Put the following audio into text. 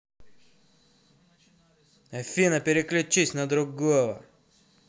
афина переключись на другого